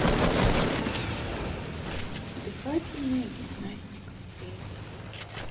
дыхательная гимнастика стрельникова